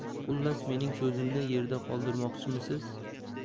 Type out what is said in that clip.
xullas mening so'zimni yerda qoldirmoqchimisiz